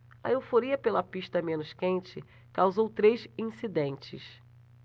a euforia pela pista menos quente causou três incidentes